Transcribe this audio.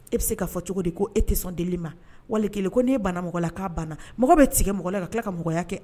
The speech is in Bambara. E bɛ se k'a fɔ cogo di ko e tɛ sɔn deli ma. Wali kelen ko n'e bana mɔgɔ la k'a banna , mɔgɔ bɛ tigɛ mɔgɔ la ka tila ka mɔgɔya kɛ